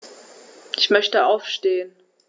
Ich möchte aufstehen.